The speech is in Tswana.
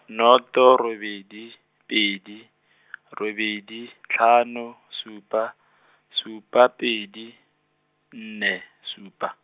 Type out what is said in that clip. nnoto robedi, pedi, robedi tlhano, supa , supa pedi, nne, supa.